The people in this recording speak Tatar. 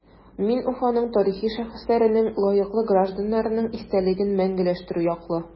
Мин Уфаның тарихи шәхесләренең, лаеклы гражданнарның истәлеген мәңгеләштерү яклы.